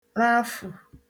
rafù